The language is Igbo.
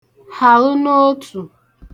hàlu n'otù